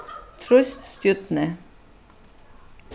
trýst stjørnu